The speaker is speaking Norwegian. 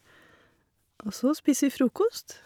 Og så spiser vi frokost.